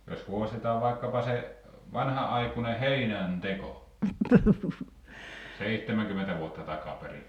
jos haastetaan vaikkapa se vanhanaikainen heinänteko seitsemänkymmentä vuotta takaperin